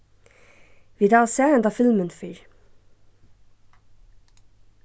vit hava sæð henda filmin fyrr